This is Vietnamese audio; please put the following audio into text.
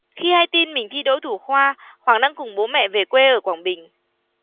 khi hay tin mình thi đỗ thủ khoa hoàng đang cùng bố mẹ về quê ở quảng bình